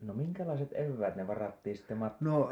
no minkälaiset eväät ne varattiin sitten matkaan